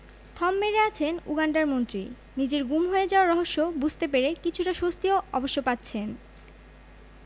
থম মেরে আছেন উগান্ডার মন্ত্রী নিজের গুম হয়ে যাওয়ার রহস্য বুঝতে পেরে কিছুটা স্বস্তিও অবশ্য পাচ্ছেন